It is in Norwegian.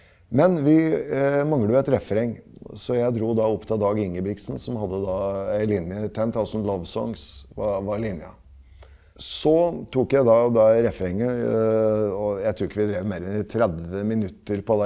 men vi mangler jo et refreng så jeg dro da opp til Dag Ingebrigtsen som hadde da ei linje, Ten Thousand Lovesongs var var linja, så tok jeg da og det refrenget og jeg trur ikke vi drev mer enn 30 minutter på det.